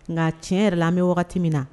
Nka tiɲɛ yɛrɛ la an bɛ wagati min na